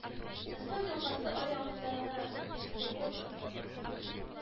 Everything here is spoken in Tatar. Мәскәү елгасы аръягындагы бистәдә торды